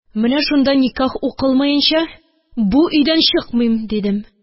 Менә шунда никях укылмаенча, бу өйдән чыкмыйм, – дидем.